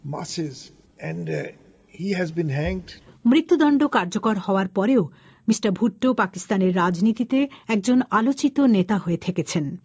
মাসেস and he has been hanged মৃত্যুদণ্ড কার্যকর হওয়ার পরেও মিস্টার ভুট্টো পাকিস্তানের রাজনীতিতে একজন আলোচিত নেতা হয়ে থেকেছেন